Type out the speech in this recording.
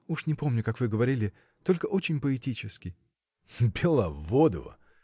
уж не помню, как вы говорили, только очень поэтически. — Беловодова!